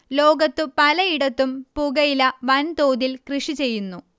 ലോകത്തു പലയിടത്തും പുകയില വൻതോതിൽ കൃഷി ചെയ്യുന്നു